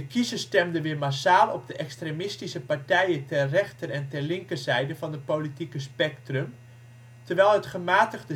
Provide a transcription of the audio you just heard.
kiezers stemden weer massaal op de extremistische partijen ter rechter en ter linker zijde van het politieke spectrum terwijl het gematigde